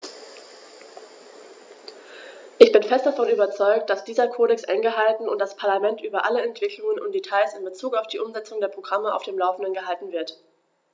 Ich bin fest davon überzeugt, dass dieser Kodex eingehalten und das Parlament über alle Entwicklungen und Details in bezug auf die Umsetzung der Programme auf dem laufenden gehalten wird.